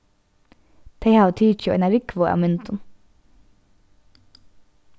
tey hava tikið eina rúgvu av myndum